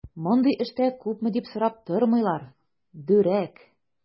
Мондый эштә күпме дип сорап тормыйлар, дүрәк!